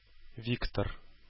Виктор